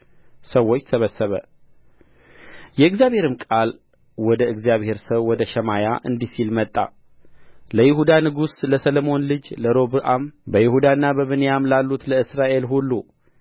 ሰዎች ሰበሰበ የእግዚአብሔርም ቃል ወደ እግዚአብሔር ሰው ወደ ሸማያ እንዲህ ሲል መጣ ለይሁዳ ንጉሥ ለሰሎሞን ልጅ ለሮብዓም በይሁዳና በብንያምም ላሉት ለእስራኤል ሁሉ